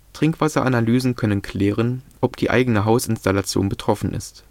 Trinkwasseranalysen können klären, ob die eigene Hausinstallation betroffen ist